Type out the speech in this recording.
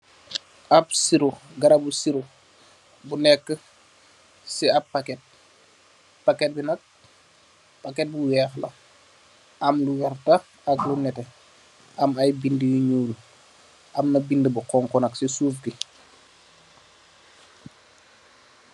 Ap syru, garap bu syru bu nekk ci ap paket, paket bi nak, paket bu weeh la. Am lu verta ak lu nètè, am ay bind yu ñuul. Amna bind bi honku nak ci suuf bi.